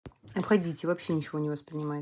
обходите вообще ничего не воспринимает